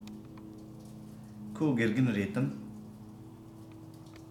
ཁོ དགེ རྒན རེད དམ